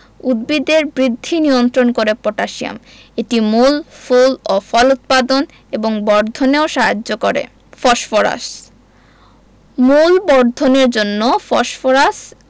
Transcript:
উদ্ভিদের বৃদ্ধি নিয়ন্ত্রণ করে পটাশিয়াম এটি মূল ফুল ও ফল উৎপাদন এবং বর্ধনেও সাহায্য করে ফসফরাস মূল বর্ধনের জন্য ফসফরাস